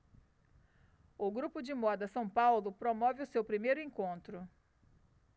o grupo de moda são paulo promove o seu primeiro encontro